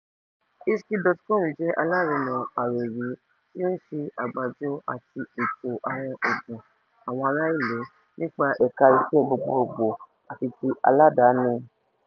Ishki.com jẹ́ alárinnà àròyé tí ó ń ṣe àgbàjọ àti ètò àwọn ẹ̀dùn àwọn ará ìlú nípa ẹ̀ka iṣẹ́ gbogboogbò àti ti aládàáni.